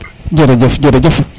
jerejef jerejef